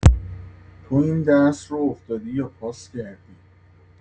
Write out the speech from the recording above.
تو این درس رو افتادی یا پاس کردی؟